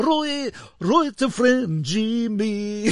Rwy- rwyt yn ffrind i mi!